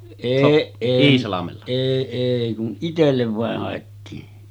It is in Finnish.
ei ei kun itselle vain haettiin